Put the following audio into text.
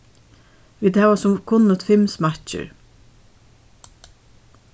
vit hava sum kunnugt fimm smakkir